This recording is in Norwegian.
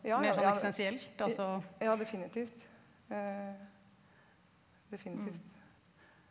ja ja ja definitivt definitivt.